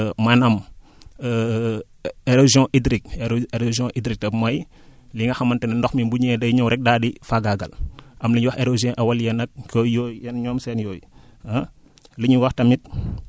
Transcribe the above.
li ñuy wax tamit la lutte anti érosive ah maanaam érosion hydrique éro érosion hydrique mooy li nga xamante ne ndox mi bu ñëwee day nëw rekk daal di faagaagal am lu ñuy wax érosion éolienne nag * yooyu ñoom seen yooyu ah